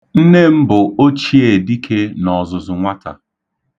Nne m bụ ochiedike n'ọzụzụ nwata.